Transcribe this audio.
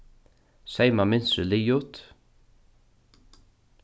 seyma mynstrið liðugt